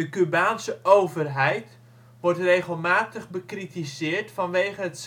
Cubaanse overheid wordt regelmatig bekritiseerd vanwege het